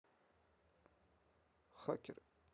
хакеры